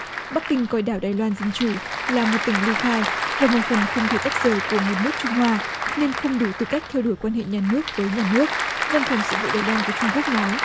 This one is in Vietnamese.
bắc kinh coi đảo đài loan dân chủ là một tỉnh ly khai và một phần không thể tách rời của một nước trung hoa nên không đủ tư cách theo đuổi quan hệ nhà nước với nhà nước văn phòng sự vụ đài loan của trung quốc nói